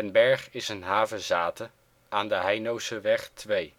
Berg is een havezate aan de Heinoseweg 2.